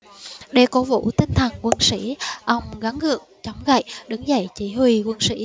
để cổ vũ tinh thần quân sĩ ông gắng gượng chống gậy đứng dậy chỉ huy quân sĩ